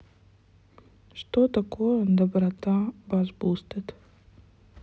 что такое доброта бассбустед